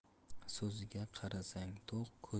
so'ziga qarasang to'q